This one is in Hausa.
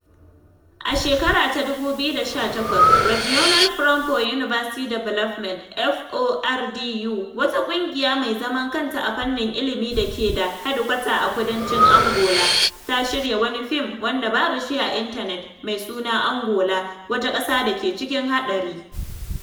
A 2018, Regional Forum for University Development (FORDU), wata ƙungiya mai zaman kanta a fannin ilimi dake da hedkwata a kudancin Angola, ta shirya wani fim (wanda babu shi a intanet) mai suna “Angola, wata ƙasa dake cikin haɗari”.